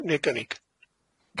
Neu gynnig?